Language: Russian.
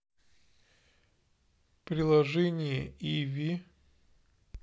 приложение иви